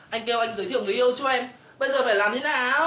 anh kêu anh giới thiệu người yêu cho em bây giờ phải làm thế nào